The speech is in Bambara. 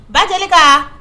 Bajelika